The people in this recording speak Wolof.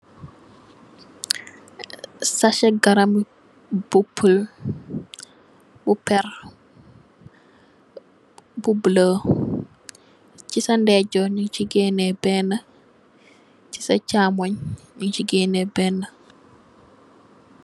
Sacer garab bi bobpa bu pel bu bolo. Si sa ndeyjor nyu si ganebena si sa chamugn nyu si ganebena.